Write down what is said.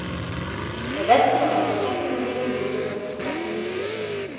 Der Westen Europas hingegen wurde latinisiert.